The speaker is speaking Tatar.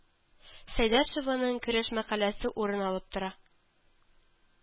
Сәйдәшеваның кереш мәкаләсе урын алып тора